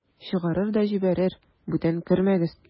Чыгарыр да җибәрер: "Бүтән кермәгез!"